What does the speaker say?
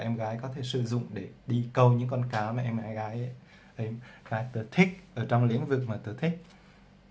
em gái có thể sử dụng để đi câu những con cá mà em gái thích trong lĩnh vực em ấy thích